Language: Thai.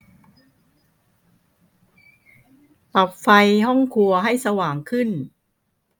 ปรับไฟห้องครัวให้สว่างขึ้น